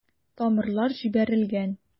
Тамырлар җибәрелгән.